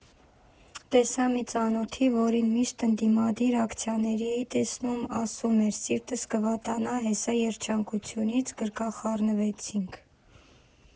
Տեսա մի ծանոթի, որին միշտ ընդդիմադիր ակցիաների էի տեսնում, ասում էր, սիրտս կվատանա հեսա երջանկությունից, գրկախառնվեցինք։